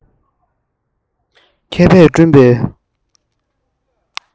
མཁས པས བསྐྲུན པའི